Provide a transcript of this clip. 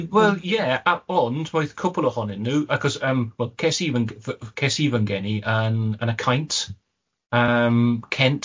Ie wel ie a ond roedd cwpl ohonyn nhw achos ymm wel ces i fy'n ff- ces i fy'n geni yn yn y caint ymm Kent.